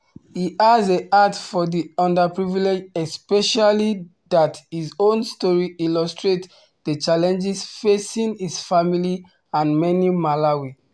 He has a heart for the underprivileged especially that his own story illustrates the challenges facing his family and many Malawi.